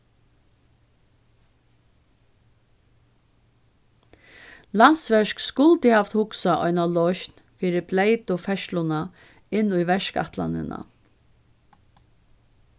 landsverk skuldi havt hugsað eina loysn fyri bleytu ferðsluna inn í verkætlanina